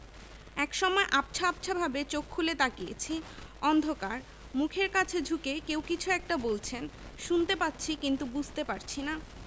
একসময় আবছা আবছাভাবে চোখ খুলে তাকিয়েছি অন্ধকার মুখের কাছে ঝুঁকে কেউ কিছু একটা বলছেন শুনতে পাচ্ছি কিন্তু বুঝতে পারছি না